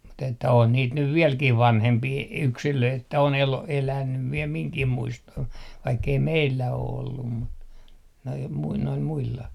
mutta että on niitä nyt vieläkin vanhempia yksilöitä että on - elänyt vielä minunkin muistoon vaikka ei meillä ole ollut mutta nuo - noilla muilla